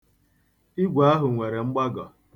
Igwe ahụ nwere mgbagọ.